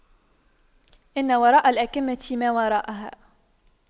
إن وراء الأَكَمةِ ما وراءها